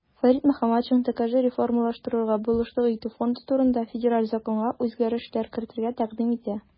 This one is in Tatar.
Фәрит Мөхәммәтшин "ТКҖ реформалаштыруга булышлык итү фонды турында" Федераль законга үзгәрешләр кертергә тәкъдим итә.